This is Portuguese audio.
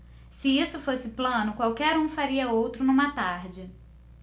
se isso fosse plano qualquer um faria outro numa tarde